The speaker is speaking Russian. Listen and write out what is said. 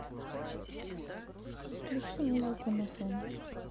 включи музыку на фон